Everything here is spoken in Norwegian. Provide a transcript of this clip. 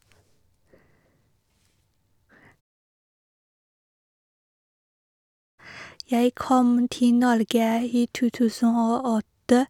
Jeg kom til Norge i to tusen og åtte.